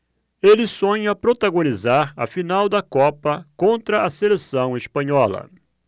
ele sonha protagonizar a final da copa contra a seleção espanhola